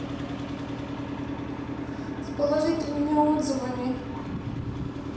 с положительными отзывами